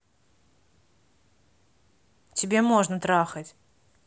тебе можно трахать